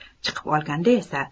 chiqib olganda esa